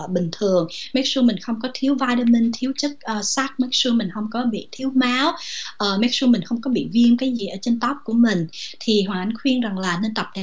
ở bình thường mitsui mình không có thiếu vitamin thiếu chất ở sát mức xưa mình không có bị thiếu máu ở mức trung bình không có bị viêm cái dĩa trên tóc của mình thì hoán khuyên rằng là nên tập